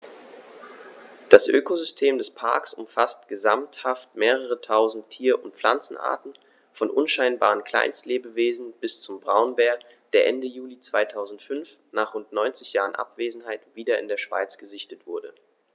Das Ökosystem des Parks umfasst gesamthaft mehrere tausend Tier- und Pflanzenarten, von unscheinbaren Kleinstlebewesen bis zum Braunbär, der Ende Juli 2005, nach rund 90 Jahren Abwesenheit, wieder in der Schweiz gesichtet wurde.